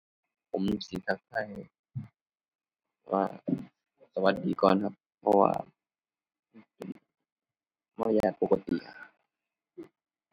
ผมสิทักทายว่า สวัสดี ก่อนครับ เพราะว่ามันเป็นมารยาทปกติ